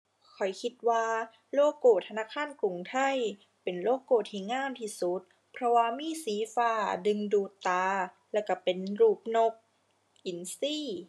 ข้อยคิดว่าโลโกธนาคารกรุงไทย เป็นโลโกที่งามที่สุด เพราะว่ามีสีฟ้า ดึงดูดตา แล้วก็เป็นรูปนกอินทรี